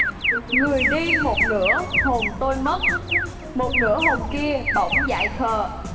người đi một nửa hồn tôi mất một nửa hồn kia bỗng dại khờ